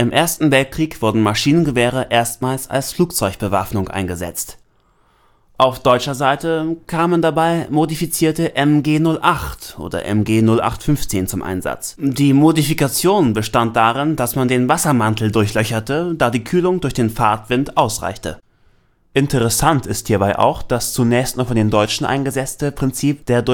Ersten Weltkrieg wurden Maschinengewehre erstmals als Flugzeug-Bordwaffen eingesetzt. Auf deutscher Seite kamen dabei modifizierte MG 08 bzw. später MG 08/15 zum Einsatz. Die Modifikationen bestanden darin, dass man den Wassermantel durchlöcherte, da die Kühlung durch den Fahrtwind ausreichte. Interessant ist hierbei auch das zunächst nur von den Deutschen eingeführte Prinzip der